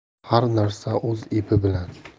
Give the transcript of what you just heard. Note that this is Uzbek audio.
har narsa o'z epi bilan